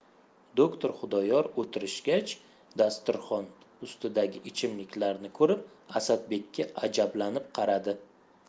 doktor xudoyor o'tirgach dasturxon ustidagi ichimliklarni ko'rib asadbekka ajablanib qaradi